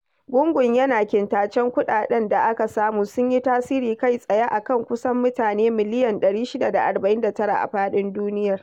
Gungun yana kintacen kuɗaɗen da aka samu sun yi tasiri kai tsaye a kan kusan mutane miliyan 649 a faɗin duniyar.